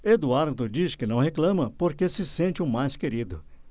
eduardo diz que não reclama porque se sente o mais querido